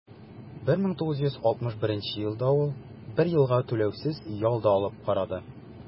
1961 елда ул бер елга түләүсез ял да алып карады.